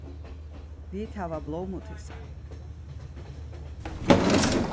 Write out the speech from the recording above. vit hava blómutyssið